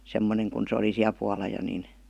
semmoinen kun se oli siellä puolella jo niin